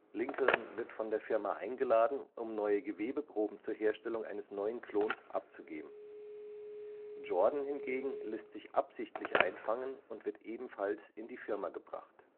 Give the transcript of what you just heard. Lincoln wird von der Firma eingeladen, um neue Gewebeproben zur Herstellung eines neuen Klons abzugeben, Jordan hingegen lässt sich absichtlich einfangen und wird ebenfalls in die Firma gebracht